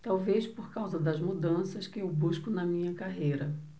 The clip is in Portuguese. talvez por causa das mudanças que eu busco na minha carreira